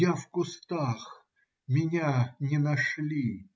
Я в кустах:, меня не нашли!